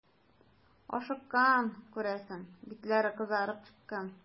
Ашыккан, күрәсең, битләре кызарып чыккан.